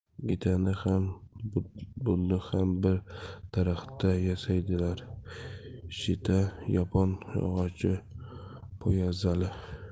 getani ham buddani ham bir daraxtdan yasaydilar geta yapon yog'och poyafzali